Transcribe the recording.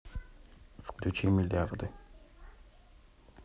включи миллиарды